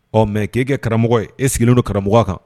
Ɔ mɛ k'i kɛ karamɔgɔ ye e sigilen don karamɔgɔ kan